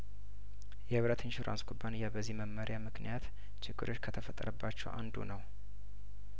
የህብረት ኢንሹራንስ ኩባንያ በዚህ መመሪያ ምክንያት ችግሮች ከተፈጠረባቸው አንዱ ነው